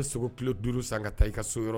I bɛ sogo kilo duuru san ka taa i ka so yɔrɔ